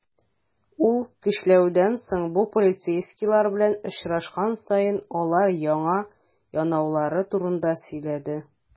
Ул, көчләүдән соң, бу полицейскийлар белән очрашкан саен, алар аңа янаулары турында сөйләде.